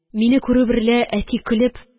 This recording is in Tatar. Мине күрү берлә, әти, көлеп